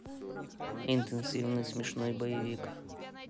интенсивный смешной боевик